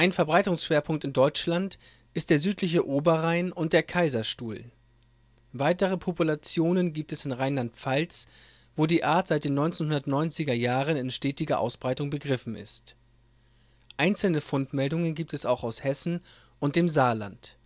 Verbreitungsschwerpunkt in Deutschland ist der südliche Oberrhein und der Kaiserstuhl, weitere Populationen gibt es in Rheinland-Pfalz, wo die Art seit den 1990er Jahren in stetiger Ausbreitung begriffen ist. Einzelne Fundmeldungen gibt es auch aus Hessen und dem Saarland